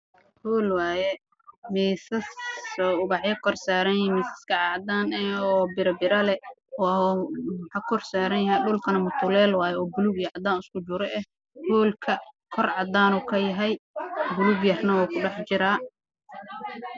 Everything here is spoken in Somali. Waa hool ay yaalaan miisas ubaxyo korsaaranyihiin